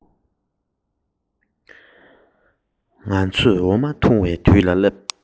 སླར ཡང འཆར ཡན གསར པ ཞིག བསྣན སོང